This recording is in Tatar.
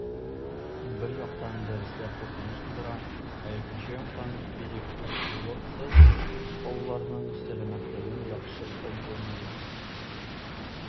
Бер яктан, дәресләр куркыныч тудыра, ә икенче яктан - физик активлыксыз балаларның сәламәтлеген яхшыртып булмаячак.